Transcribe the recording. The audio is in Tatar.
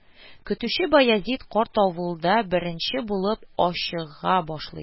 Көтүче Баязит карт авылда беренче булып ачыга башлый